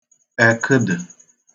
ẹ̀kə̣də̣̀